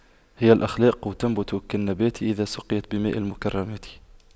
هي الأخلاق تنبت كالنبات إذا سقيت بماء المكرمات